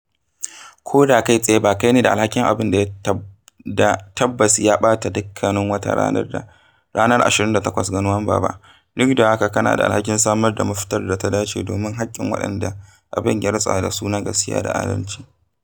Ko da kai tsaye ba kai ne da alhakin abin da tabbas ya ɓata dukkanin wata ranar 28 ga Nuwamba ba, duk da haka kana da alhakin samar da mafitar da ta dace domin haƙƙin waɗanda abin ya rutsa da su na gaskiya da adalci …